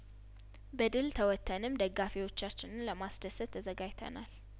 በድል ተወጥተንም ደጋፊ ዎቻችንን ለማስደሰት ተዘጋጅተናል